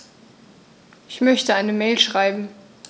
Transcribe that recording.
Ich möchte eine Mail schreiben.